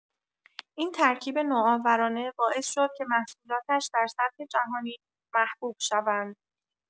این ترکیب نوآورانه باعث شد که محصولاتش در سطح جهانی محبوب شوند.